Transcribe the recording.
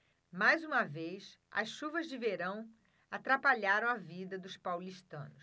mais uma vez as chuvas de verão atrapalharam a vida dos paulistanos